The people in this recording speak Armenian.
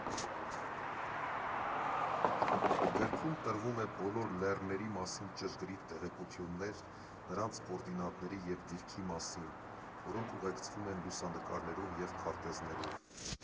Գրքում տրվում է բոլոր լեռների մասին ճշգրիտ տեղեկություններ՝ նրանց կոորդինատների և դիրքի մասին, որոնք ուղեկցվում են լուսանկարներով և քարտեզներով։